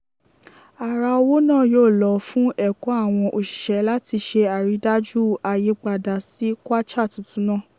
Ara owó náà yóò lọ fún ẹ̀kọ́ àwọn òṣìṣẹ́ láti ṣe àrídájú àyípadà sí kwacha tuntun náà.